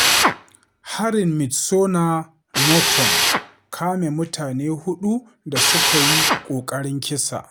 Harin Midsomer Norton: Kame mutane huɗu da suka yi ƙoƙarin kisa